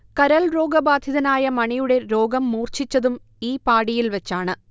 കരൾ രോഗബാധിതനായ മണിയുടെ രോഗം മൂർച്ഛിച്ചതും ഈ പാഡിയിൽ വച്ചാണ്